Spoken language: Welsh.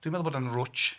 'Dw i'n meddwl bod o'n rwtsh.